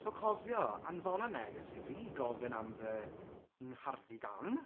sp cofio, anfona neges i fi gofyn am fy nghardigan.